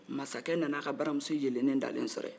mansakɛ nana a ka baramuso yelenne dalen sɔrɔ yen